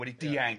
wedi dianc